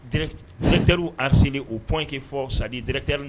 Directeurs harcelée au point que fɔ ç'a dire directeur